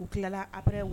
U tilala après u